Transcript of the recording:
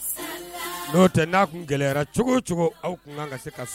N'o tɛ n'a tun gɛlɛyara cogo o cogo aw tun kan ka se ka